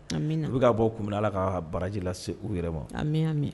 Amina , u bɛ ka bɔ kun minna Ala ka a baraji lase u yɛrɛ ma, ami ami.